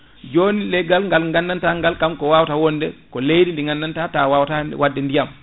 joni leggal ngal gandanta ngal kanko wawata wonde ko leydi ndi gandanta ta wawata wadde ndiyam